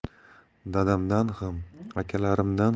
dadamdan ham akalarimdan